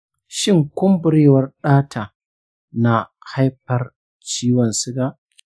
shin kumburewa ɗata na haifar ciwon suga?